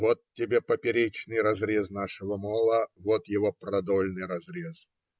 - Вот тебе поперечный разрез нашего мола, вот его продольный разрез.